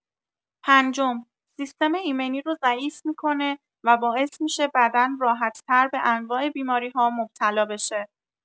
پنجم، سیستم ایمنی رو ضعیف می‌کنه و باعث می‌شه بدن راحت‌تر به انواع بیماری‌ها مبتلا بشه.